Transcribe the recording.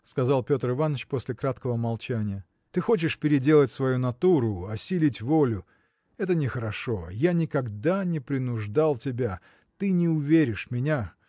– сказал Петр Иваныч после краткого молчания – ты хочешь переделать свою натуру осилить волю. это нехорошо. Я никогда не принуждал тебя ты не уверишь меня